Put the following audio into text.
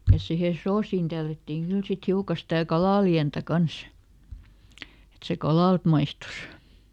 ja siihen soosiin tällättiin kyllä sitten hiukan sitä kalalientä kanssa että se kalalta maistui